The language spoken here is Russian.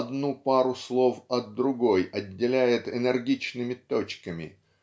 одну пару слов от другой отделяет энергичными точками